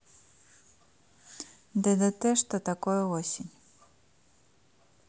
ддт что такое осень